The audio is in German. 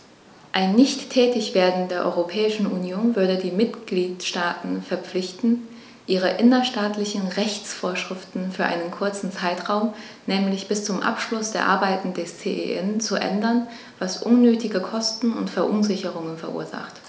Ein Nichttätigwerden der Europäischen Union würde die Mitgliedstaten verpflichten, ihre innerstaatlichen Rechtsvorschriften für einen kurzen Zeitraum, nämlich bis zum Abschluss der Arbeiten des CEN, zu ändern, was unnötige Kosten und Verunsicherungen verursacht.